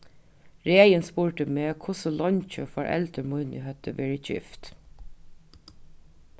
regin spurdi meg hvussu leingi foreldur míni høvdu verið gift